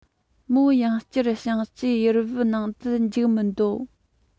མོ ཡང བསྐྱར བཤངས ཆུའི ཡུར བུ ནང དུ འཇུག མི འདོད